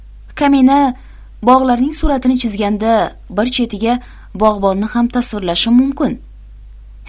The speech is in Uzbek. kamina bog'larning suratini chizganda bir chetiga bog'bonni ham tasvirlashim mumkin